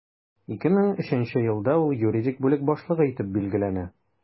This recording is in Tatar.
2003 елда ул юридик бүлек башлыгы итеп билгеләнә.